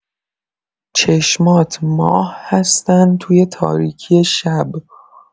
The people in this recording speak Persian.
چشمات ماه هستن توی تاریکی شب.